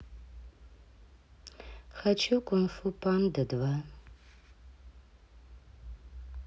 хочу кунг фу панда два